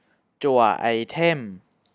จั่วไอเทม